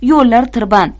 yo'llar tirband